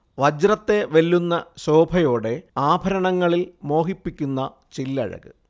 വജ്രത്തെ വെല്ലുന്ന ശോഭയോടെ ആഭരണങ്ങളിൽ മോഹിപ്പിക്കുന്ന ചില്ലഴക്